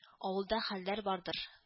Авылда хәлләр бардыр